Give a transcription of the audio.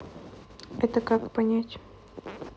это как понять